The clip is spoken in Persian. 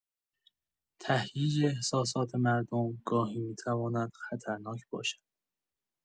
تهییج احساسات مردم گاهی می‌تواند خطرناک باشد.